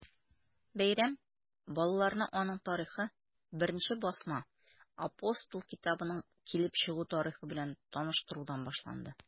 Бәйрәм балаларны аның тарихы, беренче басма “Апостол” китабының килеп чыгу тарихы белән таныштырудан башланды.